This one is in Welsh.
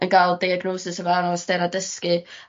yn ga'l deiagnosis efo anawstera dysgu.